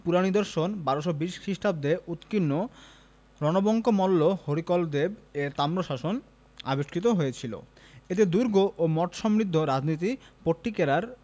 পুরানিদর্শন ১২২০ খ্রিস্টাব্দে উৎকীর্ণ রণবঙ্কমল্ল হরিকলদেব এর তাম্রশাসন আবিষ্কৃত হয়েছিল এতে দুর্গ ও মঠ সমৃদ্ধ রাজধানী পট্টিকেরা র